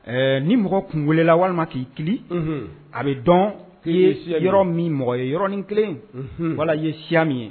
Ɛɛ ni mɔgɔ kun wele la walima ki kili, a be dɔn i ye yɔrɔ min mɔgɔ ye yɔrɔ ni kelen walima i ye siya min ye.